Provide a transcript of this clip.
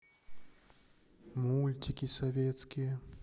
мультики советские